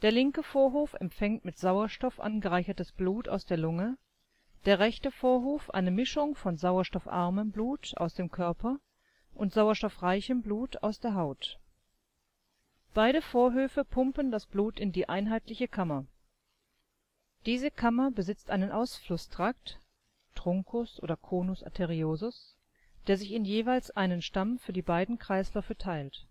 linke Vorhof empfängt mit Sauerstoff angereichertes Blut aus der Lunge, der rechte Vorhof eine Mischung von sauerstoffarmem Blut aus dem Körper und sauerstoffreichem Blut aus der Haut. Beide Vorhöfe pumpen das Blut in die einheitliche Kammer. Diese Kammer besitzt einen Ausflusstrakt (Truncus oder Conus arteriosus), der sich in jeweils einen Stamm für die beiden Kreisläufe teilt